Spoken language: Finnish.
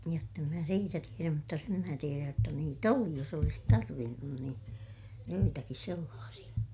jotta en minä siitä tiedä mutta sen minä tiedän jotta niitä oli jos olisi tarvinnut niin joitakin sellaisia